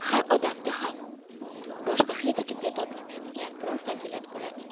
har odamda ham boshqa hech kimda topilmaydigan biron fazilat bo'larkan